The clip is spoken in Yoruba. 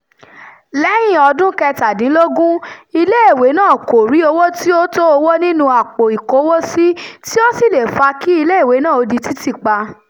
Lẹ́yìn-in ọdún kẹtàdínlógún, iléèwé náà kò rí owó tí ó tówó nínú àpò ìkówó sí tí ó sì leè fa kí iléèwé náà ó di títì pa.